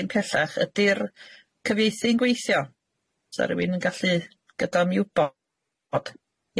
ddim pellach ydi'r cyfieithu'n gweithio 'sa rywun yn gallu gadal mi wbod.